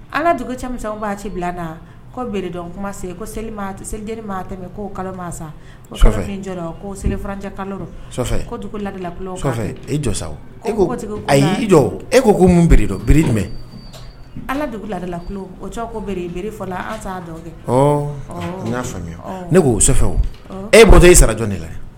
Ala dugu cɛ b'a ci bila ko bere kuma se ko seli seli tɛmɛ ko sa seli sa jɔ e ko ko bere jumɛn ala lala o y'a ne ko e bɔtɔ e sara jɔn de la